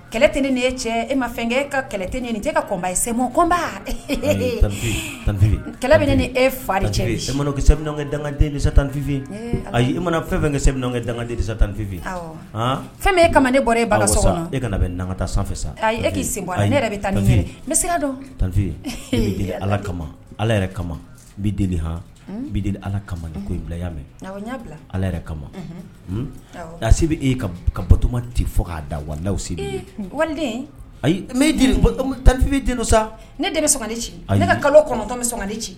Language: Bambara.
Kɛlɛ tɛ ni nine cɛ e ma fɛnkɛ e ka kɛlɛ tɛ ɲini e ka kɔnba sɛbonba tan kɛlɛ bɛ ne ni e fa de cɛ kɛgan densa tanfifin ayi i mana fɛnkɛ sɛbɛn kɛ dangandendisa tanfifinye fɛn e kamaden bɔ e ba sɔsɔ e kana bɛ nakata sanfɛ sa e k'i sin ne yɛrɛ bɛ tan ni ɲini n bɛ se dɔn tanfiye ala kama ala yɛrɛ kama bi deli h bi ala kama ni ko bila ya mɛ ala yɛrɛ kamasi' e ka batoma tɛ fɔ k'a da wadase wali ayi tanfifin sa ne de bɛ sonugan ci ne ka kalo kɔnɔntɔn bɛ suganli ci